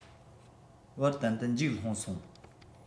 བར ཏན ཏན འཇིགས སློང སོང